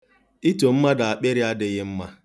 Ito mmadụ akpịrị adịghị mma.